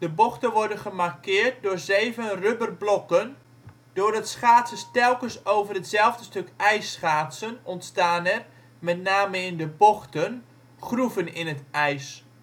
bochten worden gemarkeerd door zeven rubber blokken. Doordat schaatsers telkens over hetzelfde stuk ijs schaatsen ontstaan er, met name in de bochten, groeven in het ijs